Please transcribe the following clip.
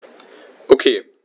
Okay.